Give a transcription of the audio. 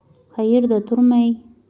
qayerda turmay